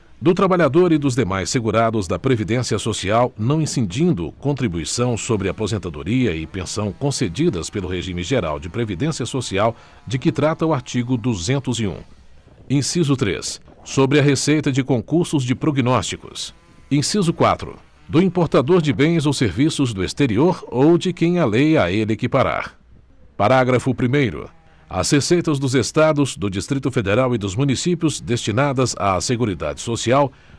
do trabalhador e dos demais segurados da previdência social não incidindo contribuição sobre aposentadoria e pensão concedidas pelo regime geral de previdência social de que trata o artigo duzentos e um inciso três sobre a receita de concursos de prognósticos inciso quatro do importador de bens ou serviços do exterior ou de quem a lei a ele equiparar parágrafo primeiro as receitas dos estados do distrito federal e dos municípios destinadas à seguridade social